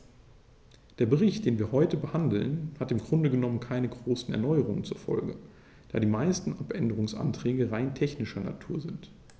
Der Bericht, den wir heute behandeln, hat im Grunde genommen keine großen Erneuerungen zur Folge, da die meisten Abänderungsanträge rein technischer Natur sind.